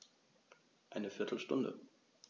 Eine viertel Stunde